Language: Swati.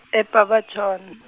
e- Baberton.